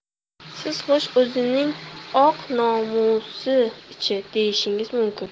siz xo'sh o'zining or nomusi chi deyishingiz mumkin